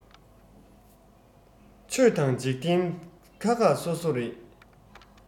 ཆོས དང འཇིག རྟེན ཁག ཁག སོ སོ རེད